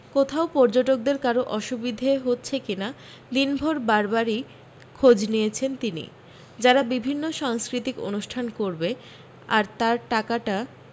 কোথাও পর্যটকদের কারও অসুবিধে হচ্ছে কী না দিনভর বারেবারই খোঁজ নিয়েছেন তিনি যারা বিভিন্ন সাংস্কৃতিক অনুষ্ঠান করবে আর তার টাকাটা